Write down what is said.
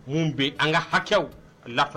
Mun bɛ an ka hakɛw a la